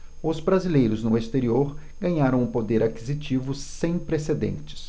os brasileiros no exterior ganharam um poder aquisitivo sem precedentes